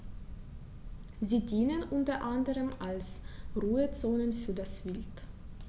Sie dienen unter anderem als Ruhezonen für das Wild.